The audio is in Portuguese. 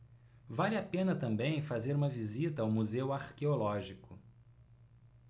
vale a pena também fazer uma visita ao museu arqueológico